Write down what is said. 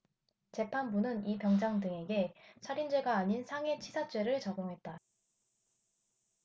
재판부는 이 병장 등에게 살인죄가 아닌 상해치사죄를 적용했다